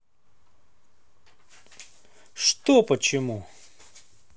что почему